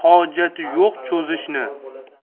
hojati yo'q cho'zishni